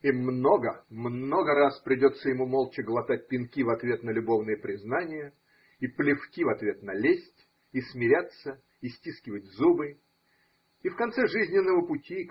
И много, много раз придется ему молча глотать пинки в ответ на любовные признания и плевки в ответ на лесть, – и смиряться, и стискивать зубы. И в конце жизненного пути.